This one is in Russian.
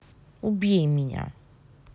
убей меня